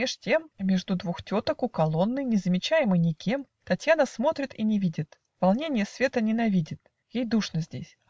Меж тем, Между двух теток у колонны, Не замечаема никем, Татьяна смотрит и не видит, Волненье света ненавидит Ей душно здесь.